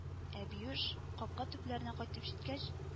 Ә Биюш капка төпләренә кайтып җиткәч